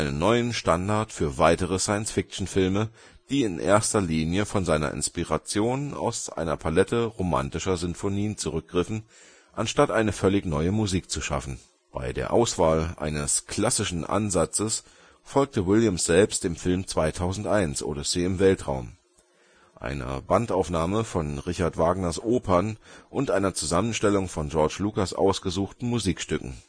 neuen Standard für weitere Science-Fiction-Filme, die in erster Linie von seiner Inspiration aus einer Palette romantischen Sinfonien zurückgriffen, anstatt eine völlig neue Musik zu schaffen. Bei der Auswahl eines klassischen Ansatzes folgte Williams selbst dem Film 2001: Odyssee im Weltraum, einer Bandaufnahme von Richard Wagners Opern und einer Zusammenstellung von George Lucas ausgesuchten Musikstücken